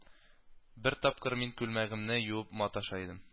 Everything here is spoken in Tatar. Бер тапкыр мин күлмәгемне юып маташа идем